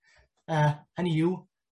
Yy hynny yw